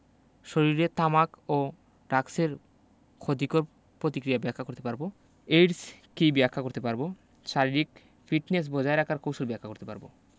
শরীরে তামাক ও ডাগসের ক্ষতিকর পতিক্রিয়া ব্যাখ্যা করতে পারব এইডস কী ব্যাখ্যা করতে পারব শারীরিক ফিটনেস বজায় রাখার কৌশল ব্যাখ্যা করতে পারব